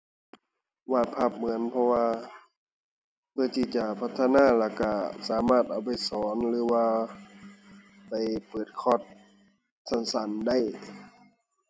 วาดภาพเหมือน เพราะว่าเพื่อที่จะพัฒนาแล้วก็สามารถเอาไปสอนหรือว่าไปเปิดคอร์สสั้นสั้นได้